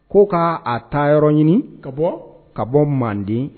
Ko k'a a ta yɔrɔ ɲini ka bɔ ka bɔ manden